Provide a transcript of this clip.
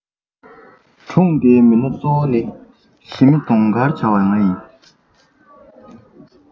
སྒྲུང འདིའི མི སྣ གཙོ བོ ཞི མི དུང དཀར བྱ བ ང ཡིན